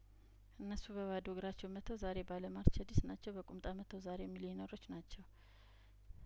እነሱ በባዶ እግራቸው መጥተው ዛሬ ባለማርቸዲስ ናቸው በቁምጣ መጥተው ዛሬ ሚሊ የነሮች ናቸው